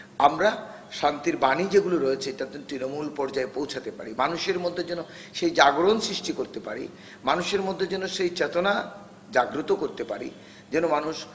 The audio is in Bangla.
আমরা শান্তির বাণী যেগুলো রয়েছে এটাকে তৃণমূল পর্যায়ে পারি মানুষের মধ্যে যেন সেই জাগরণ সৃষ্টি করতে পারি মানুষের মধ্যে যেন সেই চেতনা জাগ্রত করতে পারে যেন মানুষ